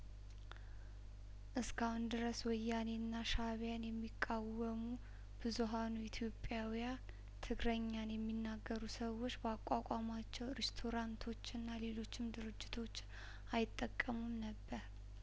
እስካሁን ድረስ ወያኔና ሻእቢያን የሚቃወሙ ብዙሀኑ ኢትዮጵያዊያን ትግረኛን የሚናገሩ ሰዎች በአቋቋሟቸው ሪስቶራንቶችና ሌሎችም ድርጅቶች አይጠቀሙም ነበር